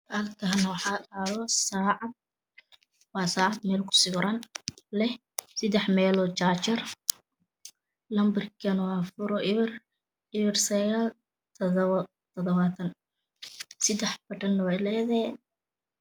Halkaani waxaa taalo saacad, waa saacad meel ku siwiran, leh seddex meelood jaajir ,Nambarkana waa furo eber, eber sagaal, todobo, todobaatan, seddex bodhonna wey leedahay.